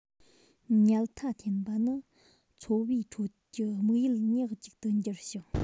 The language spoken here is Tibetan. ཉལ ཐ འཐེན པ ནི འཚོ བའི ཁྲོད ཀྱི དམིགས ཡུལ ཉག ཅིག ཏུ འགྱུར ཞིང